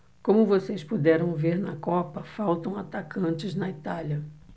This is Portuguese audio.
como vocês puderam ver na copa faltam atacantes na itália